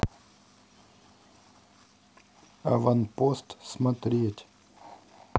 аванпост смотреть